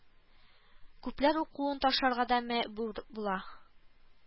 Күпләр укуын ташларга мәбүр була